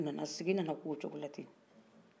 sigiin nana k'o coko la ten